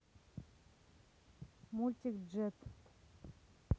мультик джет